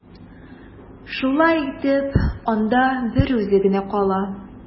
Шулай итеп, анда берүзе генә кала.